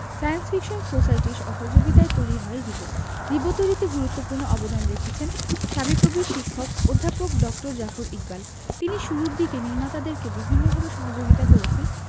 science fiction সোসাইটির সহযোগিতায়ই তৈরি হয় রিবো রিবো তৈরিতে গুরুত্বপূর্ণ অবদান রেখেছেন শাবিপ্রবির শিক্ষক অধ্যাপক ড জাফর ইকবাল তিনি শুরুর দিকে নির্মাতাদেরকে বিভিন্নভাবে সহযোগিতা করেছেন